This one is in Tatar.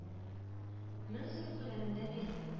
Мең сум күләмендә бирелә